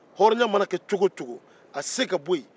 hɔrɔnya mana kɛ cogo o cogo a tɛ se ka bɔ yen